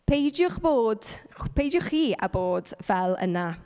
Peidiwch bod... peidiwch chi â bod fel 'na.